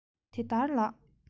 དེ ལྟར ལགས